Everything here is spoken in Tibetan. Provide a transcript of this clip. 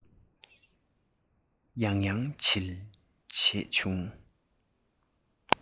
ཡང ཡང བྱིལ བྱས བྱུང